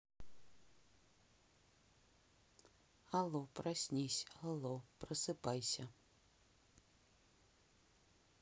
алло проснись алло просыпайся